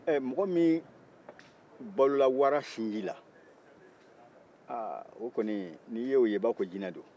mɔgɔ min balola wara sinji la a o kɔni n'i y'o ye i b'a jinɛ don